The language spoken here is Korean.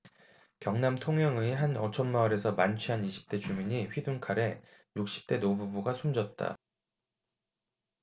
경남 통영의 한 어촌마을에서 만취한 이십 대 주민이 휘둔 칼에 육십 대 노부부가 숨졌다